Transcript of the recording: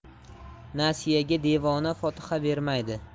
nasiyaga devona fotiha bermaydi